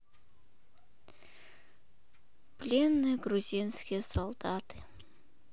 пленные грузинские солдаты